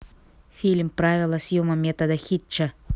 фильм правила съема метод хитча